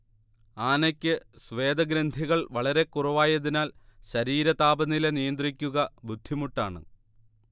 ആനയ്ക്ക് സ്വേദഗ്രന്ഥികൾ വളരെക്കുറവായതിനാൽ ശരീരതാപനില നിയന്ത്രിക്കുക ബുദ്ധിമുട്ടാണ്